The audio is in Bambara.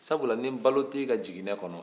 sabu la ni balo t'e ka jiginɛ kɔnɔ